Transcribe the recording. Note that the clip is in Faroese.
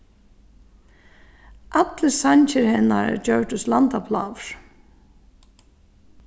allir sangir hennara gjørdust landaplágur